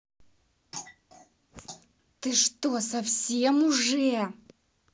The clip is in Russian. ты что совсем уже